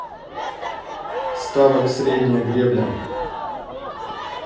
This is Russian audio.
ставок средняя гребля